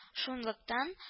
Шунлыктан